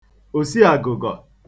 òsiàgụ̀gọ̀